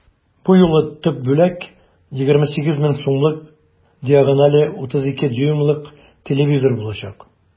Бу юлы төп бүләк 28 мең сумлык диагонале 32 дюймлык телевизор булачак.